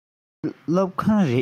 འདི སློབ ཁང རེད